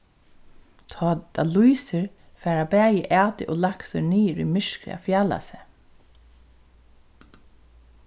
tá tað lýsir fara bæði æti og laksur niður í myrkrið at fjala seg